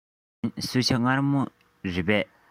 ཡིན གསོལ ཇ མངར མོ རེད པས